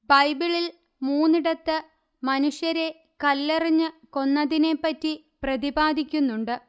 ബൈബിളിൽ മൂന്നിടത്ത് മനുഷ്യരെ കല്ലെറിഞ്ഞ് കൊന്നതിനെപ്പറ്റി പ്രതിപാദിക്കുന്നുണ്ട്